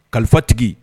Kalifatigi